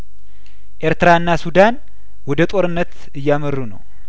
ኤርትራና ሱዳን ወደ ጦርነት እያመሩ ነው